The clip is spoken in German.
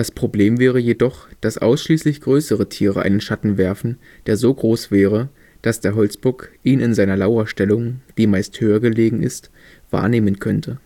Problem wäre jedoch, dass ausschließlich größere Tiere einen Schatten werfen, der so groß wäre, dass der Holzbock ihn in seiner Lauerstellung, die meist höher gelegen ist, wahrnehmen könnte